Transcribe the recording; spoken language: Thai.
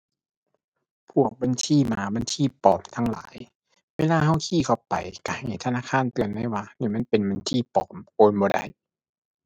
พวกบัญชีม้า บัญชีปลอมทั้งหลาย เวลาเราคีย์เข้าไปเราให้ธนาคารเตือนเลยว่า นี่มันเป็นบัญชีปลอมโอนบ่ได้